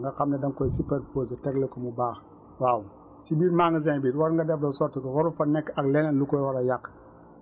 nga xam ne da nga koy supperposer tegle ko mu baax waaw si biir magasin bi war nga def de sorte que waru fa nekk ak leneen lu ko war a yàq